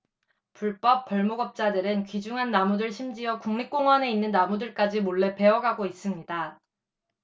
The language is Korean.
불법 벌목업자들은 귀중한 나무들 심지어 국립공원에 있는 나무들까지 몰래 베어 가고 있습니다